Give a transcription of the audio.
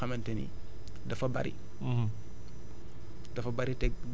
phosphate daf ci am benn pourcentage bu nga xamante ni dafa bari